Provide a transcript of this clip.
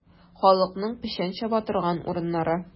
Халыкның печән чаба торган урыннары.